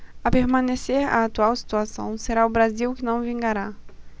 a permanecer a atual situação será o brasil que não vingará